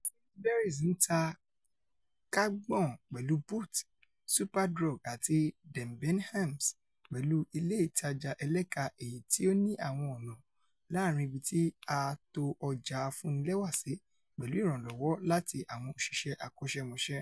Sainsbury's ńta kàǹgbọ̀n pẹ̀lú Boots, Superdrug àti Debenhams pẹ̀lú ilé ìtajà ẹlẹ́ka-èyití ó ní àwọn ọ̀nà láàrin ibití a to ọjà afúnnilẹ́wà sí pẹ̀lú ìrànlọwọ lati àwọn òṣìṣẹ́ akọ́ṣẹ́mọṣẹ́.